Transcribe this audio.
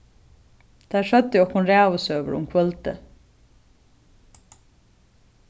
teir søgdu okkum ræðusøgur um kvøldið